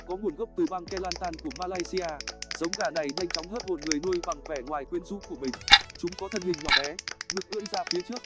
có nguồn gốc từ bang kelantan của malaysia giống gà này nhanh chóng hớp hồn người nuôi bằng vẻ ngoài quyến rũ của mình chúng có thân hình nhỏ bé ngực ưỡn ra phía trước đuôi dựng thẳng đứng